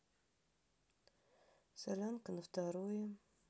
солянка на второе